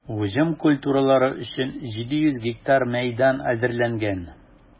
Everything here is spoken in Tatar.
Уҗым культуралары өчен 700 га мәйдан әзерләнгән.